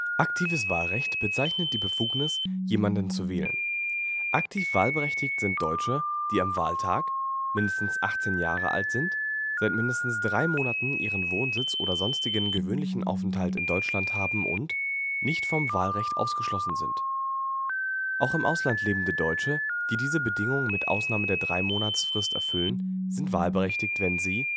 Aktives Wahlrecht bezeichnet die Befugnis, jemanden zu wählen. Aktiv wahlberechtigt sind Deutsche, die am Wahltag mindestens 18 Jahre alt sind, seit mindestens drei Monaten ihren Wohnsitz oder sonstigen gewöhnlichen Aufenthalt in Deutschland haben und nicht vom Wahlrecht ausgeschlossen sind. Auch im Ausland lebende Deutsche, die diese Bedingungen mit Ausnahme der Dreimonatsfrist erfüllen, sind wahlberechtigt, wenn sie